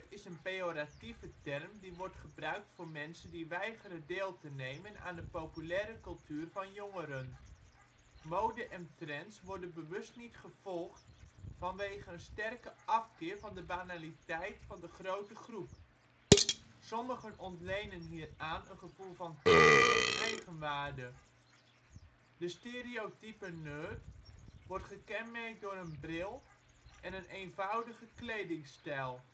is een pejoratieve term die wordt gebruikt voor mensen die weigeren deel te nemen aan de populaire cultuur van jongeren. Mode en trends worden bewust niet gevolgd vanwege een sterke afkeer van de banaliteit van de grote groep. Sommigen ontlenen hieraan een gevoel van trots en eigenwaarde. De stereotype nerd wordt gekenmerkt door een bril en een eenvoudige kledingstijl